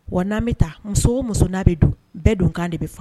Wa n'an bɛ taa muso muso n'a bɛ don bɛɛ don kan de bɛ faa